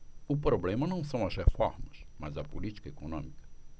o problema não são as reformas mas a política econômica